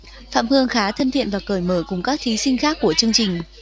phạm hương khá thân thiện và cởi mở cùng các thí sinh khác của chương trình